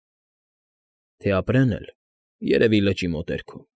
Թե ապրեն էլ, երևի, լճի մոտերքում։